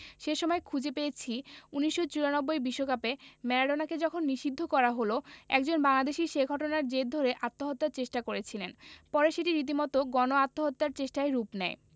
সে সময় খুঁজে পেয়েছি ১৯৯৪ বিশ্বকাপে ম্যারাডোনাকে যখন নিষিদ্ধ করা হলো একজন বাংলাদেশি সে ঘটনার জের ধরে আত্মহত্যার চেষ্টা করেছিলেন পরে সেটি রীতিমতো গণ আত্মহত্যার চেষ্টায় রূপ নেয়